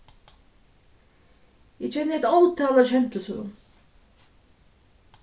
eg kenni eitt ótal av skemtisøgum